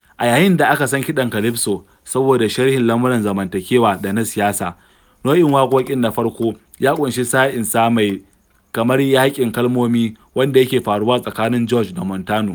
A yayin da aka san kiɗan calypso saboda sharhin lamarun zamantakewa da na siyasa, nau'in waƙoƙin na farko ya ƙunshi sa'insa mai kamar yaƙin kalmomi wanda yake faruwa tsakanin George da Montano.